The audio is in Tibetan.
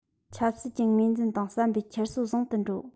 ཆབ སྲིད ཀྱི ངོས འཛིན དང བསམ པའི ཁྱེར སོ བཟང དུ འགྲོ